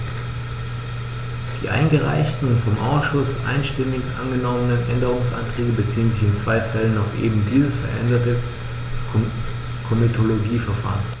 Die eingereichten und vom Ausschuss einstimmig angenommenen Änderungsanträge beziehen sich in zwei Fällen auf eben dieses veränderte Komitologieverfahren.